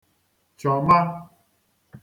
chọ̀ma